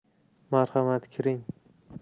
marhamat kiring